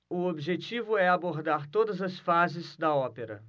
o objetivo é abordar todas as fases da ópera